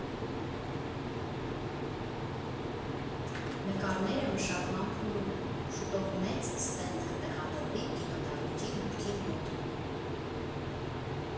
Նկարները մշակման փուլում են, շուտով մեծ ստենդ կտեղադրվի կինոդահլիճի մուտքի մոտ։